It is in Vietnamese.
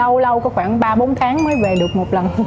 lâu lâu có khoảng ba bốn tháng mới về được một lần